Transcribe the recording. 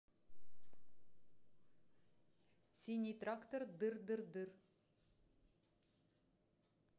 синий трактор дыр дыр дыр